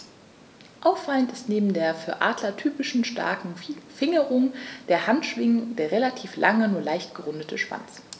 Auffallend ist neben der für Adler typischen starken Fingerung der Handschwingen der relativ lange, nur leicht gerundete Schwanz.